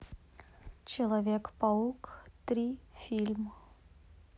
человек паук три фильм